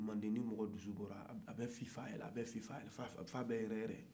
mande ni mɔgɔ dusu bɔla a bɛ fifa f'a bɛ yɛrɛ-yɛrɛ